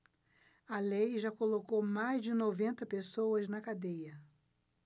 a lei já colocou mais de noventa pessoas na cadeia